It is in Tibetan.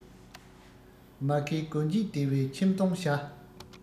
མ མཁའི སྒོ འབྱེད བདེ བའི ཁྱིམ མཐོང བྱ